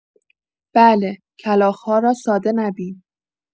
بله؛ کلاغ‌ها را ساده نبین.